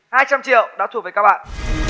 hai trăm triệu đã thuộc về các bạn